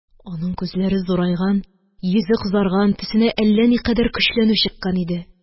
Аның күзләре зурайган, йөзе кызарган, төсенә әллә никадәр көчләнү чыккан иде.